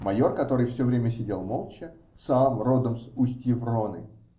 Майор, который все время сидел молча, сам родом с устьев Роны.